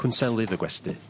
cwnselydd y gwesty